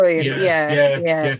Ie ie ie.